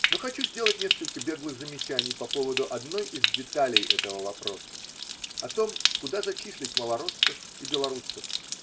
Но хочу сделать несколько беглых замечаний по поводу одной из деталей этого вопроса: о том, куда зачислить малороссов и белоруссов.